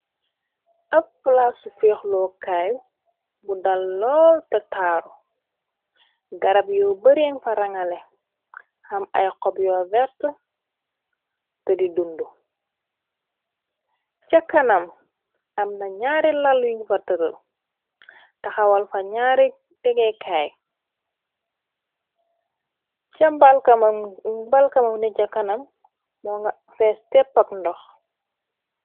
Ab palaa su fiixloo kaay bu dal lool te taaru garab yoo bereen fa rangale xam ay xobyoo wert te di dundu ca kanam am na ñaari lalyuñ fa tërël taxawal fa ñaari tegeekaay ca balkama nit ca kanam moo nga fees teppak ndox.